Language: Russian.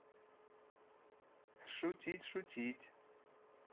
шутить шутить